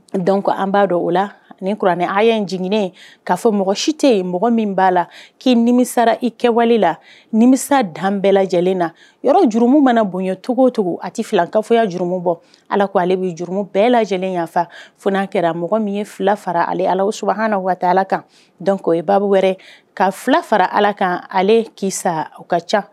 Dɔn an b'a dɔn o la nin kuran a ye in n jigin ye'a fɔ mɔgɔ si tɛ yen mɔgɔ min b'a la k'i nimisara i kɛwale la nimisa dan bɛɛ lajɛlen na yɔrɔ jurumu mana bonyacogo cogo a tɛ filan ka fɔya jurumu bɔ ala ko ale bɛ juru bɛɛ lajɛlen yan f n'a kɛra mɔgɔ min ye fila farara ale ala su na waati ala kan dɔnc o ye baa wɛrɛ ka fila fara ala kan ale ki aw ka ca